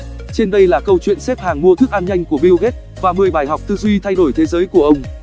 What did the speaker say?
trên đây là câu chuyện xếp hàng mua thức ăn nhanh của bill gates và bài học tư duy thay đổi thế giới của ông